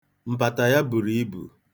Mpata ya buru ibu.